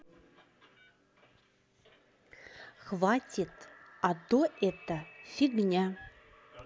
хватит а то это фигня